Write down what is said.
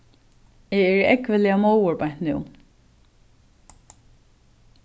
eg eri ógvuliga móður beint nú